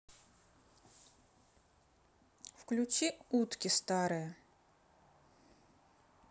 включи утки старые